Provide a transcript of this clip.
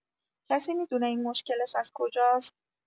کسی می‌دونه این مشکلش از کجاست؟